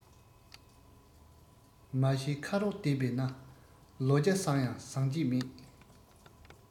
མ ཤེས ཁ རོག བསྡད པས ན ལོ བརྒྱ སོང ཡང བཟང བསྐྱེད མེད